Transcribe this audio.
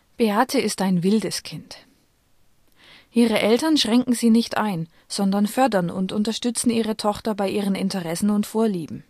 Beate ist ein wildes Kind. Ihre Eltern schränken sie nicht ein, sondern fördern und unterstützen ihre Tochter bei ihren Interessen und Vorlieben